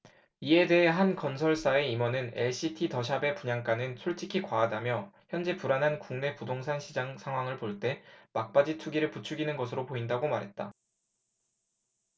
이에 대해 한 건설사의 임원은 엘시티 더샵의 분양가는 솔직히 과하다며 현재 불안한 국내 부동산시장 상황을 볼 때 막바지 투기를 부추기는 것으로 보인다고 말했다